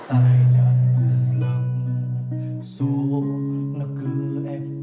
tại nạn cũng lắm số nó cứ ép